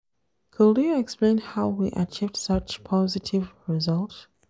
GV:Could you explain how we achieved such positive results?